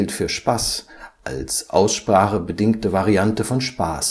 für Spass als aussprachebedingte Variante von Spaß